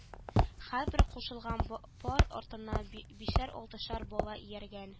Һәрбер кушылган б пар артыннан б бишәр-алтышар бала ияргән